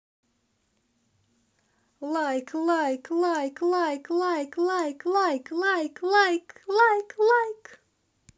лайк лайк лайк лайк лайк лайк лайк лайк лайк лайк лайк лайк